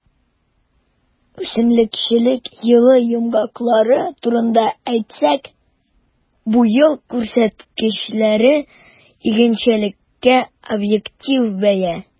Үсемлекчелек елы йомгаклары турында әйтсәк, бу ел күрсәткечләре - игенчелеккә объектив бәя.